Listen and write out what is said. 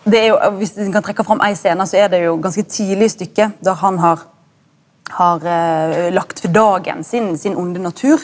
det er jo viss ein kan trekke fram ei scene så er det jo ganske tidleg i stykket der han har har lagt for dagen sin sin vonde natur.